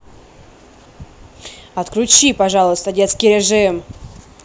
отключи пожалуйста детский режим